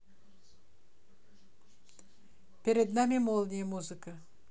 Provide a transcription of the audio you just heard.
перед нами молния музыка